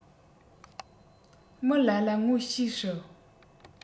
མི ལ ལ ངོ ཤེས སྲིད